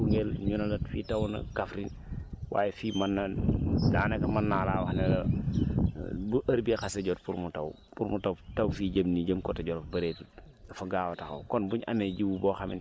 soo wootee foofu côté Kougheul ñu ne la fii taw na Kaffrine waaye fii mën naa daanaka mën naa laa wax ne la bu heure bii xasee jot pour mu taw pour mu taw taw fii jëm nii jëm côté Djolof bëreetul dafa gaaw a taxaw